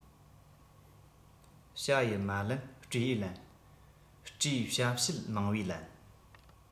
བྱ ཡི མ ལན སྤྲེའུས ལན སྤྲེའུ བྱ བྱེད མང བས ལན